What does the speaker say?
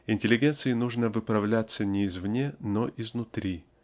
Интеллигенции нужно выправляться не извне но изнутри